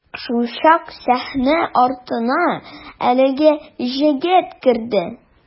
Шулчак сәхнә артына әлеге җегет керде.